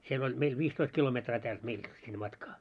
siellä oli meillä viisitoista kilometriä täältä meiltä sinne matkaa